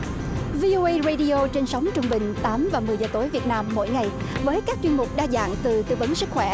vi ô ây ruây đi ô trên sóng trung bình tám và mười giờ tối việt nam mỗi ngày với các chuyên mục đa dạng từ tư vấn sức khỏe